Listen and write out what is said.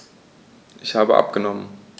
Ich habe abgenommen.